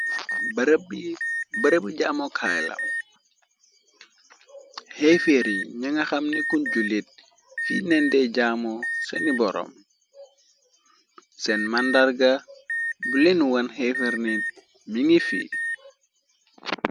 barab bi jaamokaayla hafar yi nigaxam neh nekun julit fi lano jaamoo sane boroom sen màndarga bu leen wan hafer mingi fi